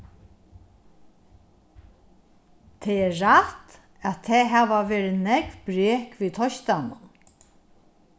tað er rætt at tað hava verið nógv brek við teistanum